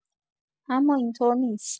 اما این‌طور نیست.